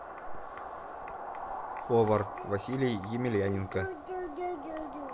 повар василий емельяненко